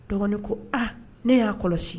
Dɔgɔnin ko aa ne y'a kɔlɔsi